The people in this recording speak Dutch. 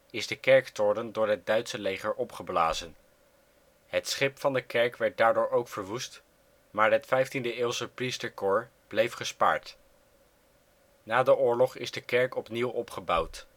is de kerktoren door het Duitse leger opgeblazen. Het schip van de kerk werd daarbij ook verwoest, maar het 15e eeuwse priesterkoor bleef gespaard. Na de oorlog is de kerk opnieuw opgebouwd